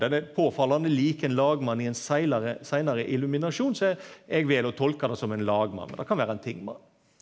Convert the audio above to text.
den er påfallande lik ein lagmann i ein seinare illuminasjon so eg vel å tolka det som ein lagmann, men det kan vera ein tingmann.